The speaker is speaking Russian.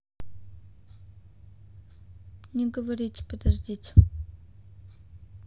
не говорите подождите